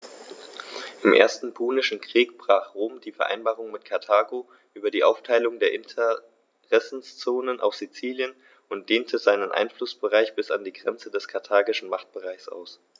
Im Ersten Punischen Krieg brach Rom die Vereinbarung mit Karthago über die Aufteilung der Interessenzonen auf Sizilien und dehnte seinen Einflussbereich bis an die Grenze des karthagischen Machtbereichs aus.